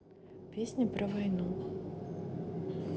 песни про войну